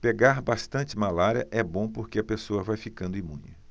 pegar bastante malária é bom porque a pessoa vai ficando imune